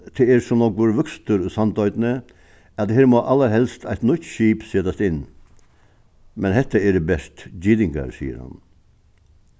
tað er so nógvur vøkstur í sandoynni at her má allarhelst eitt nýtt skip setast inn men hetta eru bert gitingar sigur hann